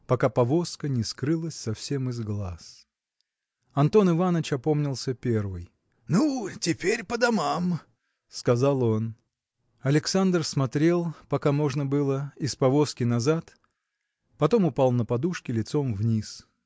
пока повозка не скрылась совсем из глаз. Антон Иваныч опомнился первый. – Ну, теперь по домам! – сказал он. Александр смотрел пока можно было из повозки назад потом упал на подушки лицом вниз.